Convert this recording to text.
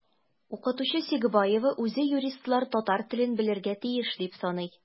Укытучы Сибгаева үзе юристлар татар телен белергә тиеш дип саный.